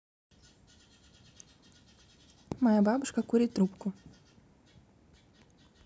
моя бабушка курит трубку